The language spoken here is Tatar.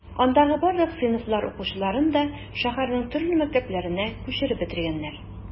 Андагы барлык сыйныфлар укучыларын да шәһәрнең төрле мәктәпләренә күчереп бетергәннәр.